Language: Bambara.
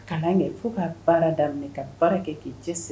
Kalan kɛ fo ka baara daminɛ ka baara kɛ kɛ sɛbɛn